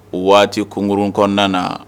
Waati kourun kɔnɔna na